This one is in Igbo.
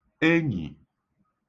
enyì